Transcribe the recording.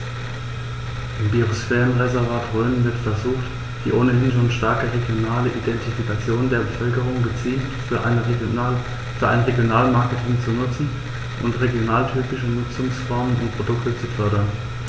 Im Biosphärenreservat Rhön wird versucht, die ohnehin schon starke regionale Identifikation der Bevölkerung gezielt für ein Regionalmarketing zu nutzen und regionaltypische Nutzungsformen und Produkte zu fördern.